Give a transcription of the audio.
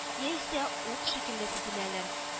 Яисә ук шикелле тезеләләр